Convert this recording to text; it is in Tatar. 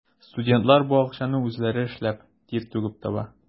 Студентлар бу акчаны үзләре эшләп, тир түгеп таба.